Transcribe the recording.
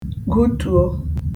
gụtùo